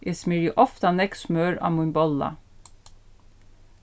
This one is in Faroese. eg smyrji ofta nógv smør á mín bolla